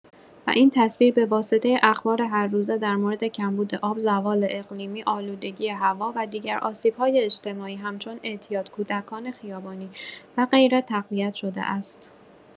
و این تصویر به واسطه اخبار هر روزه در مورد کمبود آب، زوال اقلیمی، آلودگی هوا و دیگر آسیب‌های اجتماعی همچون اعتیاد، کودکان خیابانی و غیره تقویت‌شده است.